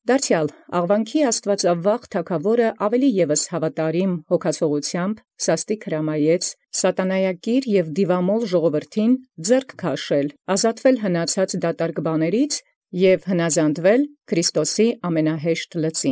Դարձեալ առաւել ևս երկիւղածն յԱստուծոյ արքայն Աղուանից՝ միամիտ փութով հրաման տայր սատանայակիր և դիւամոլ ազգին սաստիւ՝ թափել զերծանել յունայնավար հնացելոցն և հնազանդ լինել ամենահեշտ լծոյն։